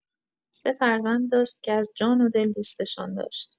سه فرزند داشت که از جان‌ودل دوستشان داشت.